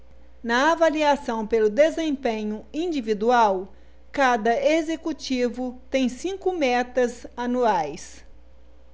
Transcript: na avaliação pelo desempenho individual cada executivo tem cinco metas anuais